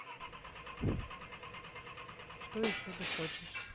что еще ты хочешь